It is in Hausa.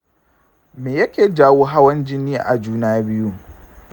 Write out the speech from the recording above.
me yake jawo hawan jini a juna biyu